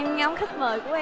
em ngắm khách mời của